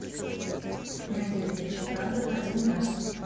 надежда чепрага один раз